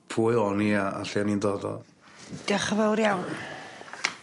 pwy o'n i a a lle o'n i'n dod o. Diolch yn fawr iawn.